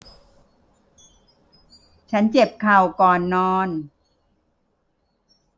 ฉันเจ็บเข่าก่อนนอน